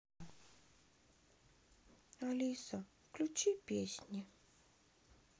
алиса включи песни